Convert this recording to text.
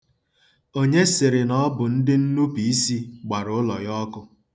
Onye sịrị na ọ bụ ndịnnupuisi gbara ụlọ ya ọkụ?